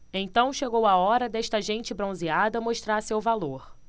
então chegou a hora desta gente bronzeada mostrar seu valor